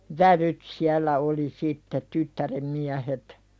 vävyt siellä oli sitten tyttären miehet